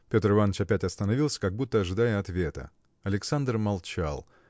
– Петр Иваныч опять остановился, как будто ожидая ответа. Александр молчал.